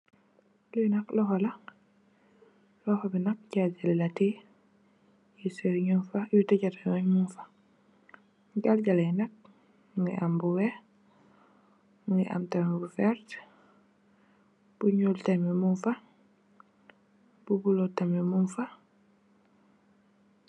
Li nak loxo la, loxo bi nak jaljali la teyeh, yu séw ñing fa, yu dijja tamit mung fa. Jaljali yi nak mugii am bu wèèx, mugii am tamit bu werta, bu ñuul tamit mung fa, bu bula tamit mung fa.